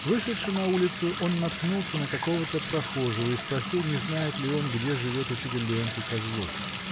Вышедши на улицу, он наткнулся на какого-то прохожего и спросил, не знает ли он, где живет учитель Леонтий Козлов.